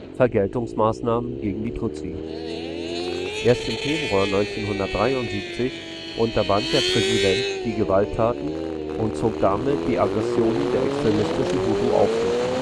Vergeltungsmaßnahmen gegen Tutsi. Erst im Februar 1973 unterband der Präsident die Gewalttaten und zog damit die Aggressionen der extremistischen Hutu auf sich